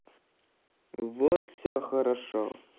вот все хорошо